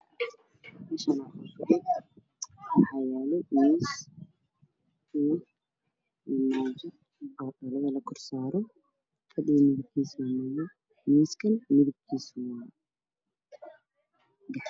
Meeshaan waxaa yaalo miis, buug, armaajo alaabta la korsaaron miiska midib kiisu yahay madow